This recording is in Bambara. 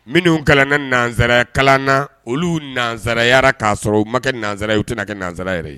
Minnu kalan ni nanzsaya kalan na olu nansarayara k'a sɔrɔ u ma kɛ nanzsara ye u tɛna kɛ nanzsa yɛrɛ ye